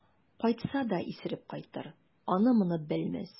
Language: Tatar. Кайтса да исереп кайтыр, аны-моны белмәс.